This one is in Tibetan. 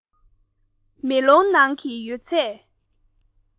མེ ལོང ནང གི ཡོད ཚད